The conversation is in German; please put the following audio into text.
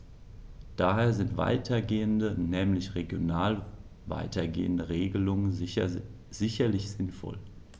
Daher sind weitergehende, nämlich regional weitergehende Regelungen sicherlich sinnvoll.